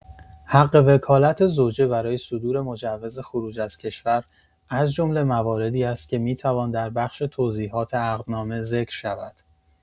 حق وکالت زوجه برای صدور مجوز خروج از کشور، از جمله مواردی است که می‌توان در بخش توضیحات عقدنامه ذکر شود.